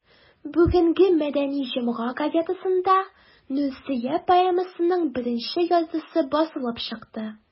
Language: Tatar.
Бүгенге «Мәдәни җомга» газетасында «Нурсөя» поэмасының беренче яртысы басылып чыкты.